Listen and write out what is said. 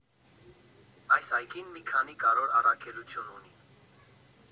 Այս այգին մի քանի կարևոր առաքելություն ունի.